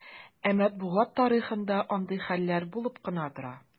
Ә матбугат тарихында андый хәлләр булып кына тора.